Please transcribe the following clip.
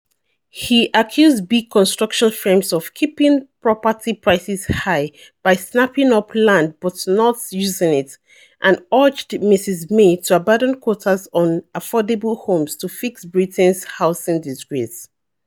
He accused big construction firms of keeping property prices high by snapping up land but not using it, and urged Mrs May to abandon quotas on affordable homes to fix Britain's "housing disgrace."